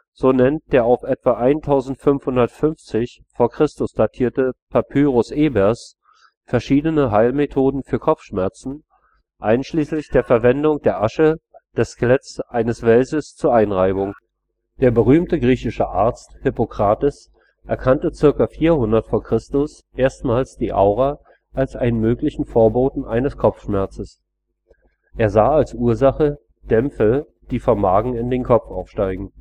So nennt der auf ca. 1550 v. Chr. datierte Papyrus Ebers verschiedene Heilmethoden für Kopfschmerzen, einschließlich der Verwendung der Asche des Skeletts eines Welses als Einreibung. Der berühmte griechische Arzt Hippokrates erkannte ca. 400 v. Chr. erstmals die Aura als einen möglichen Vorboten eines Kopfschmerzes. Er sah als Ursache „ Dämpfe, die vom Magen in den Kopf aufsteigen